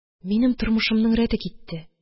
Минем тормышымның рәте китте.